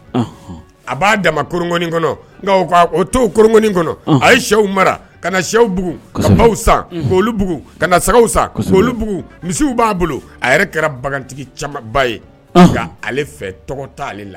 Ɔnhɔn a b'a dama kɔroŋoni kɔnɔ nga o ko a o to o koroŋoni kɔnɔ ɔnhɔn a ye sɛw mara kana sɛw bugu kosɛbɛ ka baw san unhun k'olu bugu kana sagaw san kosɛbɛ k'olu bugu kosɛbɛ misiw b'a bolo a yɛrɛ kɛra bagantigi camanba ye ɔnhɔn nka ale fɛ tɔgɔ t'ale la